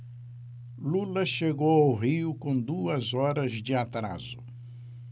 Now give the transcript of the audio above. lula chegou ao rio com duas horas de atraso